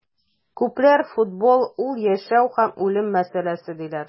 Күпләр футбол - ул яшәү һәм үлем мәсьәләсе, диләр.